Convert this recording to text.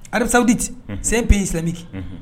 Asawudi se pe y'i silamɛmɛki